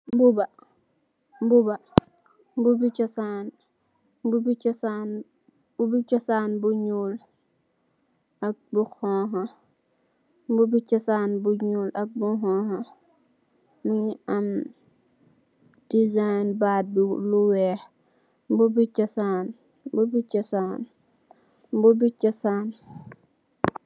Mbubi cosaan bu ñuul ak bu xonxa , mugeh am disain bat bi lu wèèx.